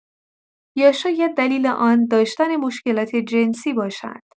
یا شاید دلیل آن داشتن مشکلات جنسی باشد!